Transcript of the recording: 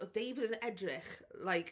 Oedd David yn edrych, like...